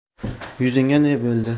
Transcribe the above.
yuzingga ne bo'ldi